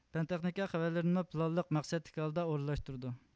پەن تېخنىكا خەۋەرلىرىنىمۇ پىلانلىق مەقسەتلىك ھالدا ئورۇنلاشتۇرىدۇ